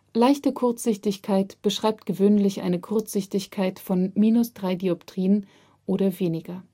Leichte Kurzsichtigkeit beschreibt gewöhnlich eine Kurzsichtigkeit von −3,00 dpt oder weniger